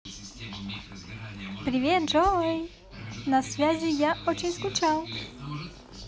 привет джой на связи я очень скучал